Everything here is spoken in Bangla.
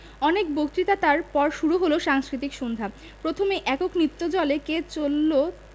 অনেক বক্তৃতা তার পর শুরু হল সাংস্কৃতিক সন্ধ্যা প্রথমেই একক নৃত্যজলে কে চলেলো